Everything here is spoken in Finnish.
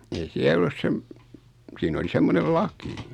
ei siellä ollut sen siinä oli semmoinen laki